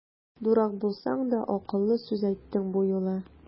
Дурак булсаң да, акыллы сүз әйттең бу юлы!